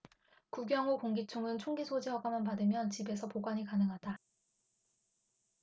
구경 오 공기총은 총기소지 허가만 받으면 집에서 보관이 가능하다